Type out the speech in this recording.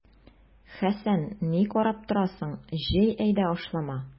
Хәсән, ни карап торасың, җый әйдә ашлама!